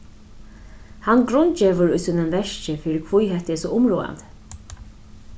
hann grundgevur í sínum verki fyri hví hetta er so umráðandi